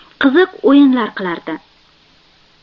qiziq o'yinlar qilardi